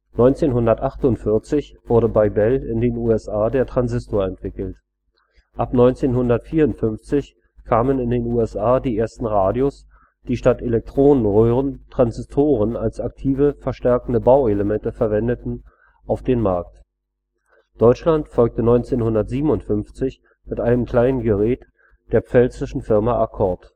1948 wurde bei Bell in den USA der Transistor entwickelt. Ab 1954 kamen in den USA die ersten Radios, die statt Elektronenröhren Transistoren als aktive, verstärkende Bauelemente verwendeten, auf den Markt. Deutschland folgte 1957 mit einem kleinen Gerät der pfälzischen Firma Akkord